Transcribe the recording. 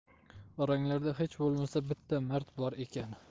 oranglarda hech bo'lmasa bitta mard bor ekan